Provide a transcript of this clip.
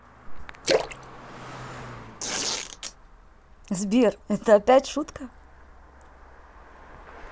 сбер это опять шутка